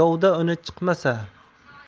dovda uni chiqmasa